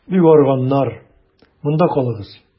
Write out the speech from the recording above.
Бик арыганнар, монда калыгыз.